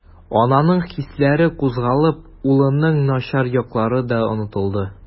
Ананың хисләре кузгалып, улының начар яклары да онытылды.